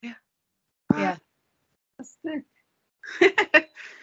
Ie? Ie. tastic.